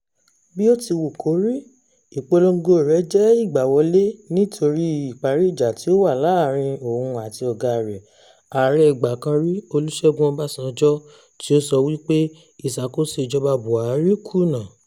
Bí ó ti wù kórí, ìpolongo rẹ̀ jẹ́ ìgbàwọlé nítorí ìparí ìjà tí ó wà làárín òun àti ọ̀gáa rẹ̀, Ààrẹ ìgbà kan rí Olusegun Obasanjo — tí ó sọ wí pé ìṣàkóso ìjọba Buhari kùnà.